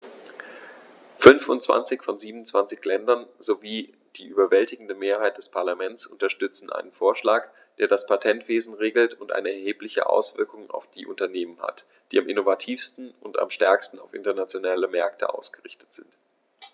Fünfundzwanzig von 27 Ländern sowie die überwältigende Mehrheit des Parlaments unterstützen einen Vorschlag, der das Patentwesen regelt und eine erhebliche Auswirkung auf die Unternehmen hat, die am innovativsten und am stärksten auf internationale Märkte ausgerichtet sind.